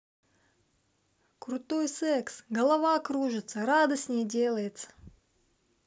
крутой секс голова кружится радостнее делается